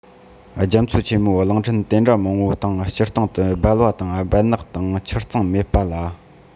རྒྱ མཚོ ཆེན མོའི གླིང ཕྲན དེ འདྲ མང པོའི སྟེང སྤྱིར བཏང དུ སྦལ བ དང སྦལ ནག དང ཆུ རྩངས མེད པ ལ